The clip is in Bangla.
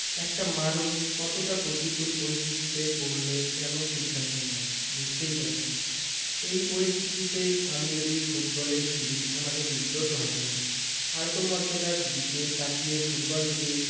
একটা মানুষ কতটা প্রতিকূল পরিস্থিতিতে পড়লে এমন সিদ্ধান্ত নেয় বুঝতেই পারছেন এই পরিস্থিতিতে আমি যদি ফুটবলে ফিরি আমাকে বিব্রত হতে হবে আর্তমর্যাদার দিকে তাকিয়ে ফুটবল থেকে